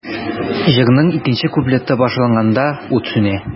Җырның икенче куплеты башланганда, ут сүнә.